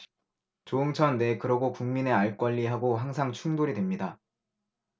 조응천 네 그러고 국민의 알권리 하고 항상 충돌이 됩니다